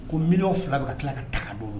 Ko miw fila bɛ ka tila ka ta don don